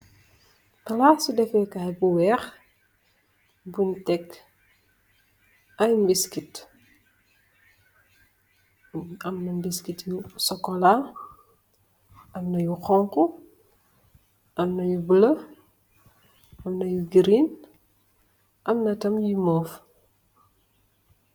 Palate defe kaye bu weehe bun tek aye biscuits amna biscuits yu sukola, amna yu hauhu, amna yu bluelo, amna yu green amna tam yu morve.